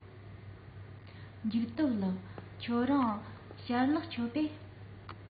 འཇིགས སྟོབས ལགས ཁྱེད རང ཞལ ལག མཆོད པས